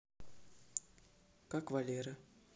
как валера